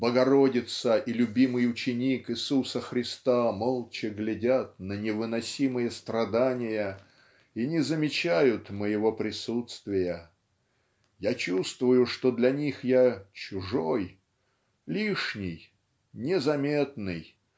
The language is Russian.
Богородица и любимый ученик Иисуса Христа молча глядят на невыносимые страдания и не замечают моего присутствия я чувствую что для них я чужой лишний незаметный